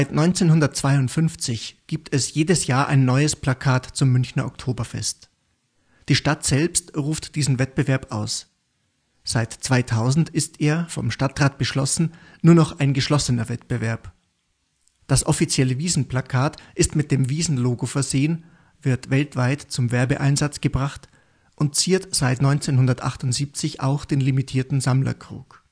1952 gibt es jedes Jahr ein neues Plakat zum Münchner Oktoberfest. Die Stadt selbst ruft diesen Wettbewerb aus. Seit 2000 ist er, vom Stadtrat beschlossen, nur noch ein geschlossener Wettbewerb. Das offizielle Wiesnplakat ist mit dem Wiesnlogo versehen, wird weltweit zum Werbeeinsatz gebracht und ziert seit 1978 auch den limitierten Sammlerkrug